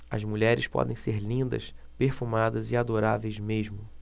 as mulheres podem ser lindas perfumadas e adoráveis mesmo